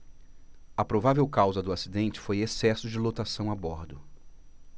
a provável causa do acidente foi excesso de lotação a bordo